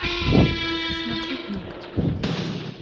смотреть ногти